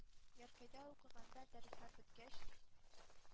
Яркәйдә укыганда, дәресләр беткәч,